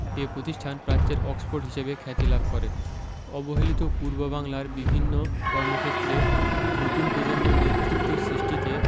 এ প্রতিষ্ঠান প্রাচ্যের অক্সফোর্ড হিসেবে খ্যাতি লাভ করে অবহেলিত পূর্ববাংলার বিভিন্ন কর্মক্ষেত্রে নতুন প্রজন্মের নেতৃত্ব সৃষ্টিতে